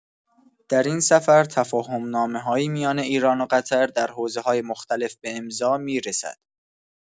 در این سفر تفاهم نامه‌هایی میان ایران و قطر در حوزه‌های مختلف به امضا می‌رسد.